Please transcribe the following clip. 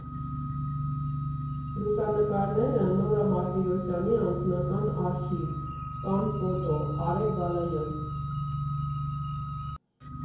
Լուսանկարները՝ Նորա Մարտիրոսյանի անձնական արխիվ, ՊանՖոտո Արեգ Բալայան։